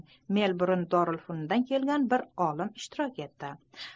mel'burn dorilfununidan kelgan bir olim ishtirok etgan edi